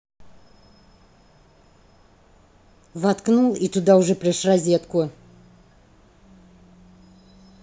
воткнул и туда уже плешь розетку